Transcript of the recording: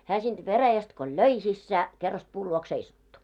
hän siitä veräjästä kun löi sisään kerrasta puun luokse seisahtui